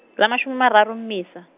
la mashome mararo Mmesa.